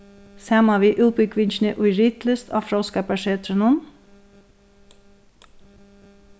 saman við útbúgvingini í ritlist á fróðskaparsetrinum